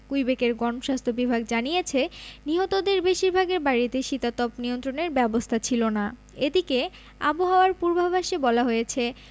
কুইবেকের গণস্বাস্থ্য বিভাগ জানিয়েছে নিহতদের বেশিরভাগের বাড়িতে শীতাতপ নিয়ন্ত্রণের ব্যবস্থা ছিল না এদিকে আবহাওয়ার পূর্বাভাসে বলা হয়েছে